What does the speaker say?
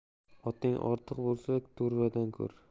oting oriq bo'lsa to'rvadan ko'r